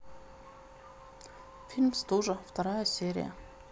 фильм стужа вторая серия